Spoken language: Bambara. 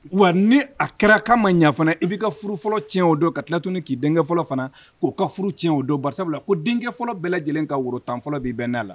Wa ni a kɛra ka ma ɲɛ fana i b'i ka furu fɔlɔ tiɲɛ o don ka tilatuguni k'i denkɛ fɔlɔ fana k'o ka furu cɛn o don bari sabula ko denkɛ fɔlɔ bɛɛ lajɛlen ka woro tan fɔlɔ b'i bɛnna la